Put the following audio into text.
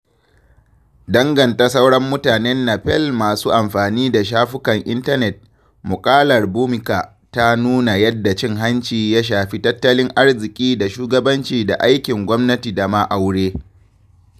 Danganta sauran mutanen Nepal masu amfani da shafukan intanet, muƙalar Bhumika ta nuna yadda cin-hanci ya shafi tattalin arziki da shugabanci da aikin gwamnati da ma aure.